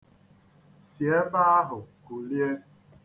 Si ebe ahụ kulie.